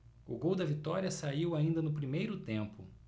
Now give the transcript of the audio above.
o gol da vitória saiu ainda no primeiro tempo